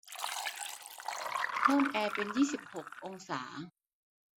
เพิ่มแอร์เป็นยี่สิบหกองศา